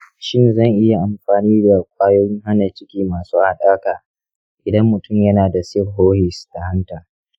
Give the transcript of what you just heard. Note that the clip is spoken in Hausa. shin zan iya amfani da kwayoyin hana ciki masu haɗaka idan mutum yana da cirrhosis ta hanta ?